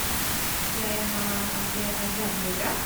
jeg ha Jeg er radiograf.